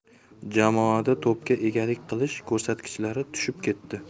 jamoada to'pga egalik qilish ko'rsatkichlari tushib ketdi